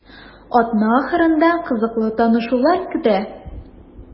Атна ахырында кызыклы танышулар көтә.